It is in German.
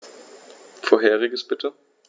Vorheriges bitte.